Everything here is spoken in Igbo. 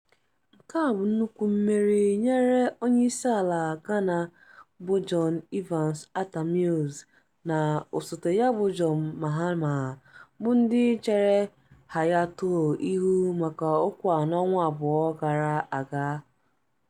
Nke a bụ nnukwu mmeri nyere onyeisiala Ghana bụ John Evans Atta Mills na osote ya bụ John Mahama bụ ndị chere Hayatou ihu maka okwu a n'ọnwa abụọ gara aga.